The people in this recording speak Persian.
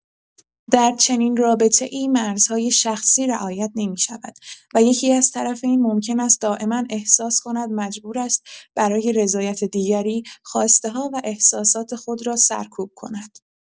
در چنین رابطه‌ای مرزهای شخصی رعایت نمی‌شود و یکی‌از طرفین ممکن است دائما احساس کند مجبور است برای رضایت دیگری، خواسته‌ها و احساسات خود را سرکوب کند.